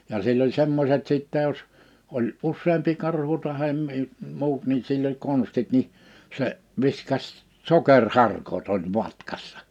ja sillä oli semmoiset sitten jos oli useampi karhu tai - muut niin sillä oli konstit niin se viskasi sokeriharkot oli matkassa